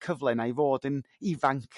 cyfle 'na i fod yn ifanc.